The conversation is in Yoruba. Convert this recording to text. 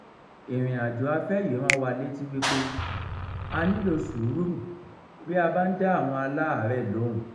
Ìrìnàjò afẹ́ yìí rán wa létí wípé a nílòo sùúrù bí a bá ń dá àwọn aláàárẹ̀ lóhùn.